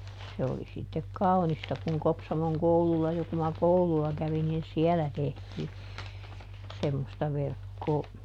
se oli sitten kaunista kun Kopsamon koululla jo kun minä koululla kävin niin siellä tehtiin semmoista verkkoa